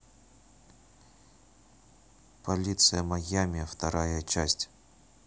полиция майами вторая часть